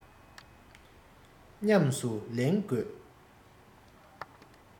ཉམས སུ ལེན དགོས